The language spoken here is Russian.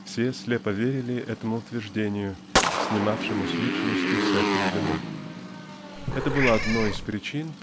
все слепо верили этому утверждению, снимавшему с личности всякую вину. Это было одною из причин